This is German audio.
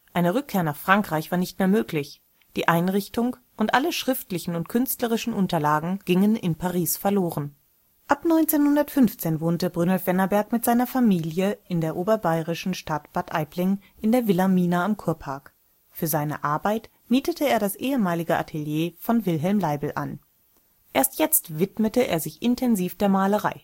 Eine Rückkehr nach Frankreich war nicht mehr möglich. Die Einrichtung und alle schriftlichen und künstlerischen Unterlagen gingen in Paris verloren. Ab 1915 wohnte Brynolf Wennerberg mit seiner Familie in der oberbayerischen Stadt Bad Aibling in der Villa Mina am Kurpark. Für seine Arbeit mietete er das ehemalige Atelier von Wilhelm Leibl an. Jetzt erst widmete er sich intensiver der Malerei